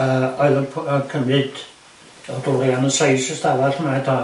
yy oedd yn p- yn cymyd o'dd y aglorian yn seis y stafall yma do?